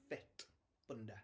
Fit bunda